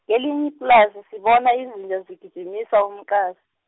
kelinye iplasi sibona izinja zigijimisa umqasa.